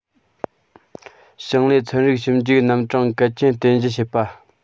ཞིང ལས ཚན རིག ཞིབ འཇུག རྣམ གྲངས གལ ཆེན རྟེན གཞི བྱེད པ